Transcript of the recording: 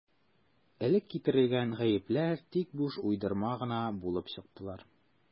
Элек китерелгән «гаепләр» тик буш уйдырма гына булып чыктылар.